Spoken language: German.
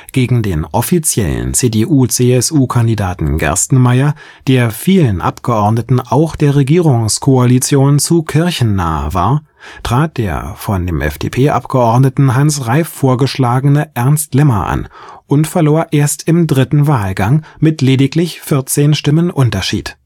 Gegen den „ offiziellen “CDU/CSU-Kandidaten Gerstenmaier, der vielen Abgeordneten auch der Regierungskoalition zu kirchennah war, trat der von dem FDP-Abgeordneten Hans Reif vorgeschlagene Ernst Lemmer an und verlor erst im dritten Wahlgang mit lediglich 14 Stimmen Unterschied